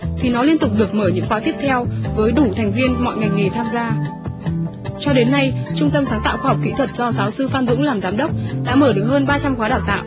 vì nó liên tục được mở những khóa tiếp theo với đủ thành viên mọi ngành nghề tham gia cho đến nay trung tâm sáng tạo khoa học kỹ thuật do giáo sư phan dũng làm giám đốc đã mở được hơn ba trăm khóa đào tạo